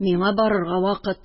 Миңа барырга вакыт.